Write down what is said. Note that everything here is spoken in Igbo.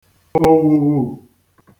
òwùwù